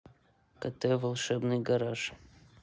котэ волшебный гараж